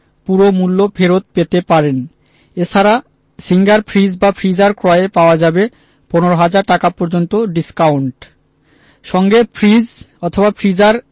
পুরো মূল্য ফেরত পেতে পারেন এ ছাড়া সিঙ্গার ফ্রিজ বা ফ্রিজার ক্রয়ে পাওয়া যাবে ১৫ ০০০ টাকা পর্যন্ত ডিসকাউন্ট সঙ্গে ফ্রিজ অথবা ফ্রিজার